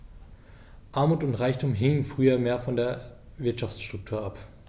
Armut und Reichtum hingen früher mehr von der Wirtschaftsstruktur ab.